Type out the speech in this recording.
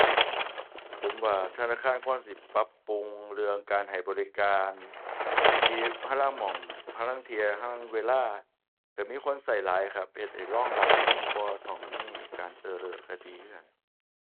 ผมว่าธนาคารควรสิปรับปรุงเรื่องการให้บริการ ที่ห่าลางหม้อง ห่าลางเที่ย ห่าลางเวลาก็มีคนก็หลายครับ เฮ็ดให้รองรับให้มันบ่ต้องมีการ error ก็ดีคือกัน